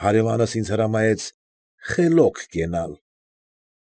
Հարևանս ինձ հրամայեց «խելոք կենալ»։